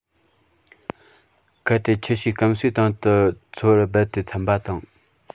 གལ ཏེ ཁྱུ ཞིག སྐམ སའི སྟེང དུ འཚོ བར རྦད དེ འཚམ པ དང